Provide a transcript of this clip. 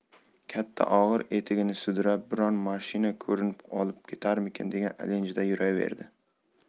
katta og'ir etigini sudrab biron mashina ko'rinib olib ketarmikin degan ilinjda yuraverdi